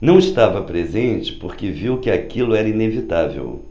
não estava presente porque viu que aquilo era inevitável